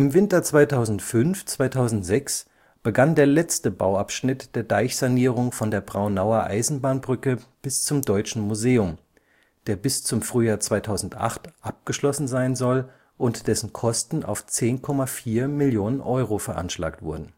Winter 2005/06 begann der letzte Bauabschnitt der Deichsanierung von der Braunauer Eisenbahnbrücke bis zum Deutschen Museum, der bis zum Frühjahr 2008 abgeschlossen sein soll und dessen Kosten auf 10,4 Millionen Euro veranschlagt wurden